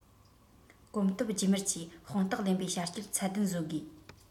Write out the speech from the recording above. གོམ སྟབས རྗེས མར ཀྱིས དཔང རྟགས ལེན པའི བྱ སྤྱོད ཚད ལྡན བཟོ དགོས